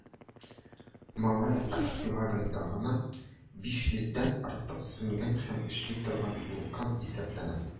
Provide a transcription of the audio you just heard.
Малайя архипелагында гына да 500 дән артык сүнгән һәм эшли торган вулкан исәпләнә.